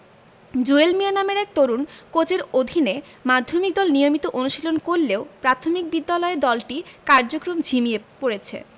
জুয়েল মিয়া নামের এক তরুণ কোচের অধীনে মাধ্যমিক দল নিয়মিত অনুশীলন করলেও প্রাথমিক বিদ্যালয়ের দলটির কার্যক্রম ঝিমিয়ে পড়েছে